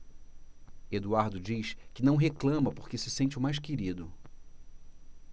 eduardo diz que não reclama porque se sente o mais querido